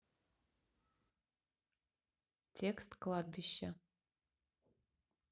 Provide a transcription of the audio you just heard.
текст кладбища